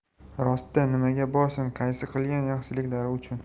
rostda nimaga borsin qaysi qilgan yaxshiliklari uchun